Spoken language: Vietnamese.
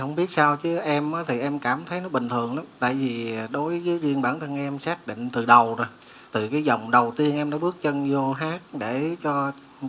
hổng biết sao chứ em á thì em cảm thấy nó bình thường lắm tại vì đối với riêng bản thân em xác định từ đầu rồi từ cái vòng đầu tiên em đã bước chân vô hát để cho